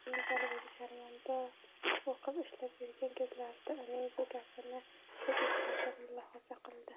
keyinchalik o'zi shaharda o'qib ishlab yurgan kezlarda uning bu gapini ko'p esladi mulohaza qildi